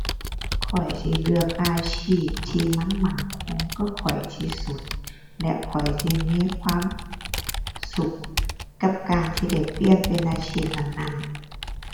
ข้อยสิเลือกอาชีพที่มันมั่นคงกับข้อยที่สุด และข้อยสิมีความสุขกับการที่ได้เปลี่ยนเป็นอาชีพนั้นนั้น